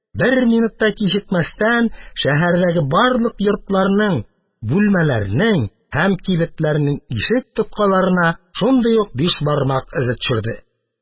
Бер минут та кичекмәстән, шәһәрдәге барлык йортларның, бүлмәләрнең һәм кибетләрнең ишек тоткаларына шундый ук биш бармак эзе төшерде.